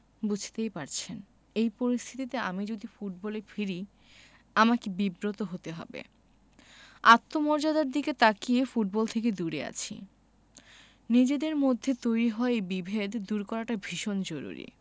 বুঝতেই পারছেন এই পরিস্থিতিতে আমি যদি ফুটবলে ফিরি আমাকে বিব্রত হতে হবে আত্মমর্যাদার দিকে তাকিয়ে ফুটবল থেকে দূরে আছি নিজেদের মধ্যে তৈরি হওয়া এই বিভেদ দূর করাটা ভীষণ জরুরি